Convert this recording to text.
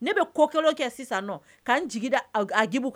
Ne bɛ kɔ kɛ kɛ ka kan